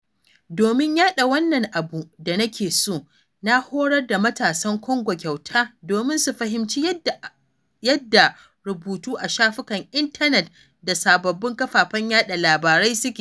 Domin yaɗa wannan abu da nake so, na horar da matasan Congo kyauta domin su fahimci yadda rubutu a shafukan intanet da sababbin kafafen yaɗa labarai suke.